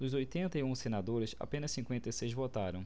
dos oitenta e um senadores apenas cinquenta e seis votaram